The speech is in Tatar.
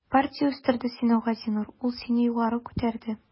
Партия үстерде сине, Газинур, ул сине югары күтәрде.